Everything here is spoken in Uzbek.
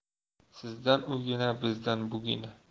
sizdan ugina bizdan bugina